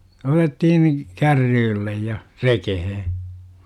otettiin kärrylle ja rekeen